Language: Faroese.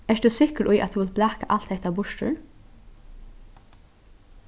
ert tú sikkur í at tú vilt blaka alt hetta burtur